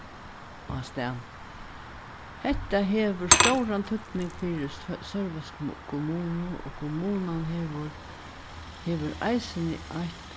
á staðnum hetta hevur stóran týdning fyri kommunu og kommunan hevur hevur eisini eitt